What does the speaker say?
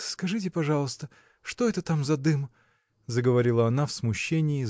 – Скажите, пожалуйста, что это там за дым? – заговорила она в смущении